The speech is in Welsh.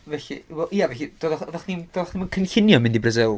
Felly, wel ia, felly, doeddach... oeddach chdi'm... doeddach chdi'm yn cynllunio mynd i Brasil?